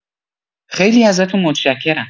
خیلی ازتون متشکرم.